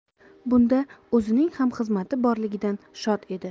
bunda o'zining ham xizmati borligidan shod edi